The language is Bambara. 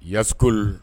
Ya